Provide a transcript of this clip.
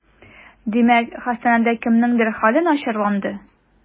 Димәк, хастаханәдә кемнеңдер хәле начарланды?